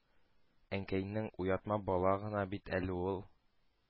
Әнкәйнең: ”Уятма, бала гына бит әле ул,